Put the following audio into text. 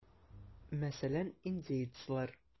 Мәсәлән, индеецлар.